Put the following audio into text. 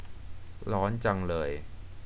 ร้อนจังเลย